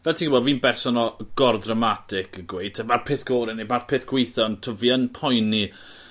fel ti'n gwbod fi'n berson o- gorddramatic ac yn gweud t' ma'r peth gore ne' ma'r peth gwitha ond t'o' fi yn poeni